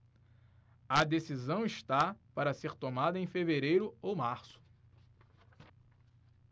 a decisão está para ser tomada em fevereiro ou março